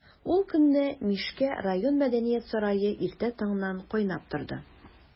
Ул көнне Мишкә район мәдәният сарае иртә таңнан кайнап торды.